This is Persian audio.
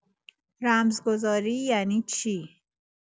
رمزگذاری یعنی چی؟